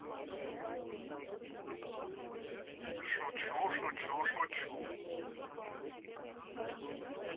шучу шучу шучу